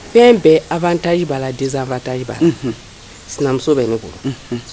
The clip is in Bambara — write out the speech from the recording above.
Fɛn bɛɛ arabatajiba la dizfa tajiba sinamuso bɛ ne bolo